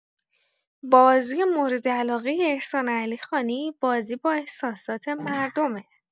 بازی موردعلاقه احسان علیخانی بازی با احساسات مردمه